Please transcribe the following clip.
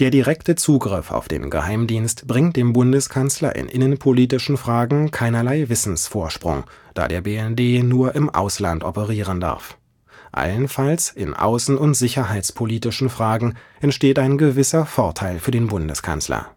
direkte Zugriff auf den Geheimdienst bringt dem Bundeskanzler in innenpolitischen Fragen keinerlei Wissensvorsprung, da der BND nur im Ausland operieren darf. Allenfalls in außen - und sicherheitspolitischen Fragen entsteht ein gewisser Vorteil für den Bundeskanzler